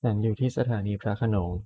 ฉันอยู่ที่สถานีพระโขนง